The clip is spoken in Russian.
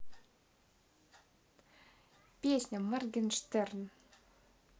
песня morgenshtern